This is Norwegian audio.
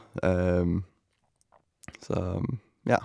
Så, ja.